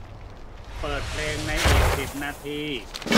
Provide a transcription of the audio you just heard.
เปิดเพลงในอีกสิบนาที